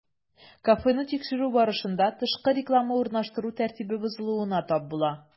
Кафены тикшерү барышында, тышкы реклама урнаштыру тәртибе бозылуына тап була.